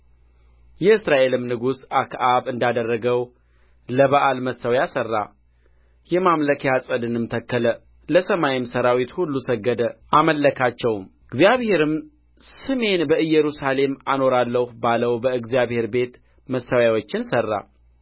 የእስራኤልም ንጉሥ አክዓብ እንዳደረገው ለበኣል መሠዊያ ሠራ የማምለኪያ ዐፀድንም ተከለ ለሰማይም ሠራዊት ሁሉ ሰገደ አመለካቸውም እግዚአብሔርም ስሜን በኢየሩሳሌም አኖራለሁ ባለው